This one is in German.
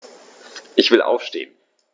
Ich will aufstehen.